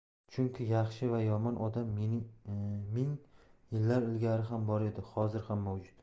chunki yaxshi va yomon odam ming yillar ilgari ham bor edi hozir ham mavjud